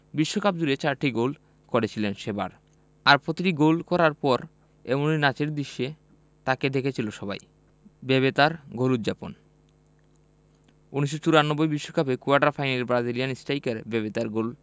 বিশ্বকাপজুড়ে চারটি গোল করেছিলেন সেবার আর প্রতিটি গোল করার পর এমনই নাচের দৃশ্যে তাঁকে দেখেছিলেন সবাই বেবেতোর গোল উয্যাপন ১৯৯৪ বিশ্বকাপে কোয়ার্টার ফাইনালে ব্রাজিলিয়ান স্ট্রাইকার বেবেতোর গোল